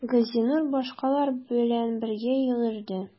Газинур башкалар белән бергә йөгерде.